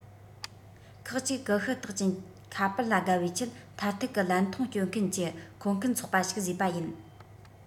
ཁག གཅིག ཀུ ཤུ རྟགས ཅན ཁ པར ལ དགའ བའི ཆེད མཐར ཐུག གི ལན ཐུང སྤྱོད མཁན གྱི མཁོ མཁན ཚོགས པ ཞིག བཟོས པ ཡིན